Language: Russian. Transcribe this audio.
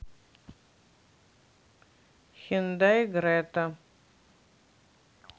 хендай грета